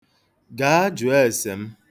Gaa, jụọ ase m.